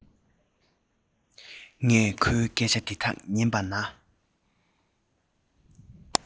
ངས ཁོའི སྐད ཆ འདི དག ཉན པ ནས